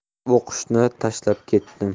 men o'qishni tashlab ketdim